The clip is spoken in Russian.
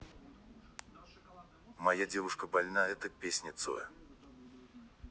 моя девушка больна это песня цоя